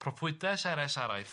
Profwyddes eres araith.